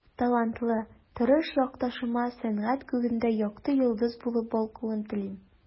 Талантлы, тырыш якташыма сәнгать күгендә якты йолдыз булып балкуын телим.